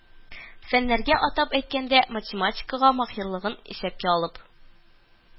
Фәннәргә, атап әйткәндә, математикага маһирлыгын исәпкә алып